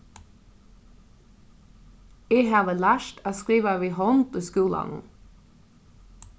eg havi lært at skriva við hond í skúlanum